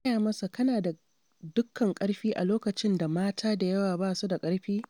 An gaya masa, “kana da dukkan ƙarfi a loƙacin da mata da yawa ba su da ƙarfi.””